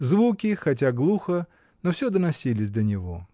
Звуки хотя глухо, но всё доносились до него.